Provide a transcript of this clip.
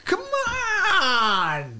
Come on!